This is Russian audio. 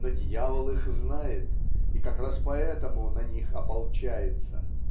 но дьявол их знает и как раз потому на них ополчается.